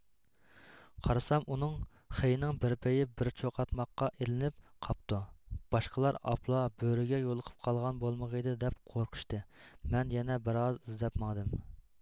قارىسام ئۇنىڭ خېيىنىڭ بىر پېيى بىر چوقاتماققا ئىلىنىپ قاپتۇ باشقىلار ئاپلا بۆرىگە يولۇقۇپ قالغان بولمىغيىدى دەپ قورقۇشتى مەن يەنە بىرئاز ئىزدەپ ماڭدىم